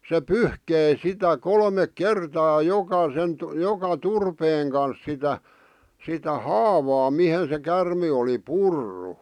se pyyhki sitä kolme kertaa jokaisen joka turpeen kanssa sitä sitä haavaa mihin se käärme oli purrut